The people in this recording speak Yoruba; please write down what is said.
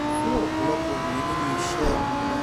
Fún ọ̀pọ̀lọpọ̀ obìnrin nínú iṣẹ́ gbogbo.